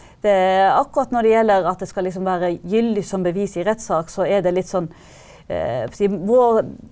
det akkurat når det gjelder at det skal liksom være gyldig som bevis i rettsak så er det litt sånn på si vår.